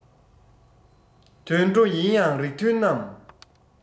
དུད འགྲོ ཡིན ཡང རིགས མཐུན རྣམས